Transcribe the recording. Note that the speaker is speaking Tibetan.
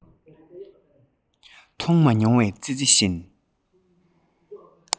མཐོང མ མྱོང བའི ཙི ཙི བཞིན